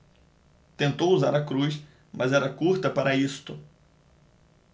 tentou usar a cruz mas era curta para isto